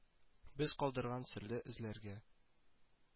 Без калдырган серле эзләргә